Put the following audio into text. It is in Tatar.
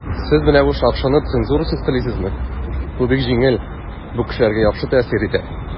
"сез менә бу шакшыны цензурасыз телисезме?" - бу бик җиңел, бу кешеләргә яхшы тәэсир итә.